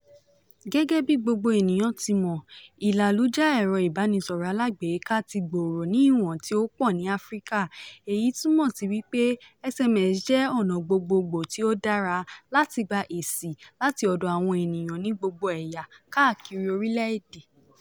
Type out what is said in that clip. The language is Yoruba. Gẹ́gẹ́ bí gbogbo ènìyàn ti mọ̀, ìlàlújá ẹ̀rọ Ìbánisọrọ̀ alágbèéká ti gbòòrò ni ìwọ̀n tí ó pọ̀ ní Áfríkà, èyí túmọ̀ sí wí pé SMS jẹ́ ọ̀nà gbogbogbò tí ó dára láti gba èsì láti ọ̀dọ̀ àwọn ènìyàn ní gbogbo ẹ̀yà káàkiri orílẹ̀ èdè.